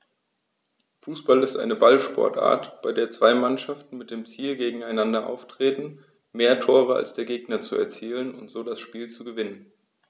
Fußball ist eine Ballsportart, bei der zwei Mannschaften mit dem Ziel gegeneinander antreten, mehr Tore als der Gegner zu erzielen und so das Spiel zu gewinnen.